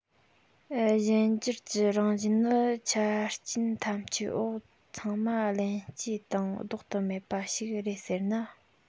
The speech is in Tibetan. གཞན འགྱུར གྱི རང བཞིན ནི ཆ རྐྱེན ཐམས ཅད འོག ཚང མ ལྷན སྐྱེས དང ལྡོག ཏུ མེད པ ཞིག རེད ཟེར ན